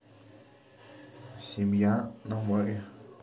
семья на море